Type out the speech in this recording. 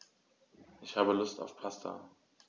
Ich habe Lust auf Pasta.